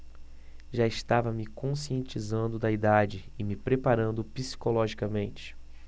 já estava me conscientizando da idade e me preparando psicologicamente